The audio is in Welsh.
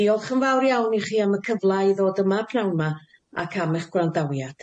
Diolch yn fawr iawn i chi am y cyfla i ddod yma pnawn 'ma ac am eich gwrandawiad.